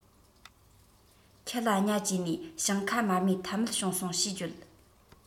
ཁྱི ལ གཉའ བཅས ནས ཞིང ཁ མ རྨོས ཐབས མེད བྱུང སོང ཞེས བརྗོད